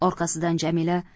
orqasidan jamila